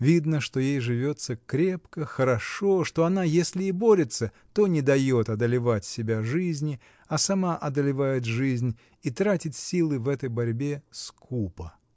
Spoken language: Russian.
Видно, что ей живется крепко, хорошо, что она если и борется, то не дает одолевать себя жизни, а сама одолевает жизнь и тратит силы в этой борьбе скупо.